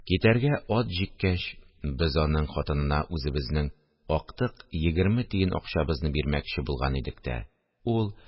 Китәргә ат җиккәч, без аның хатынына үзебезнең актык егерме тиен акчабызны бирмәкче булган идек тә, ул: